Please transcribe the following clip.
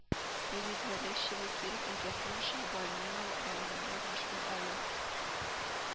Перегорящево Киров өлкәсенең Шабалино районында урнашкан авыл